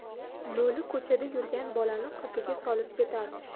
lo'li ko'chada yurgan bolani qopiga solib ketarmish